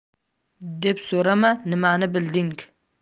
deb so'rama nimani bilding